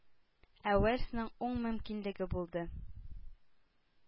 Ә уэльсның ун мөмкинлеге булды”.